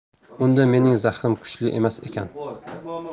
unda mening zahrim kuchli emas ekan